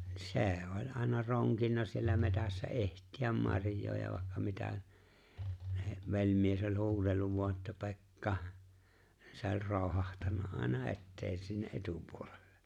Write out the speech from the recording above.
se oli aina ronkinut siellä metsässä etsiä marjaa ja vaikka mitä niin velimies oli huudellut vain että Pekka se oli roihahtanut aina eteen sinne etupuolelle